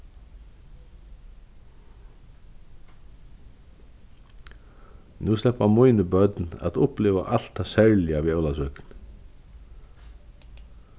nú sleppa míni børn at uppliva alt tað serliga við ólavsøkuni